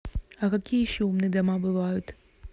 а какие еще умные дома бывают